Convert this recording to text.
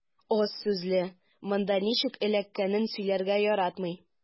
Аз сүзле, монда ничек эләккәнен сөйләргә яратмый.